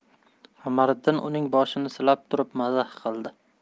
qamariddin uning boshini silab turib mazax qildi